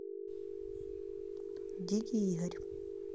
дикий игорь